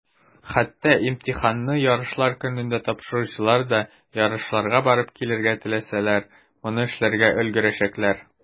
Хәтта имтиханны ярышлар көнендә тапшыручылар да, ярышларга барып килергә теләсәләр, моны эшләргә өлгерәчәкләр.